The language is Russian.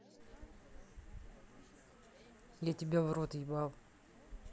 я тебя в рот ебал